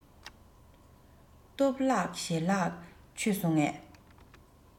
སྟོབས ལགས ཞལ ལག མཆོད སོང ངས